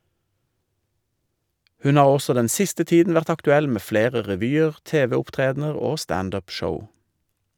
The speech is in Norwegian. Hun har også den siste tiden vært aktuell med flere revyer, tv-opptredener og stand up-show.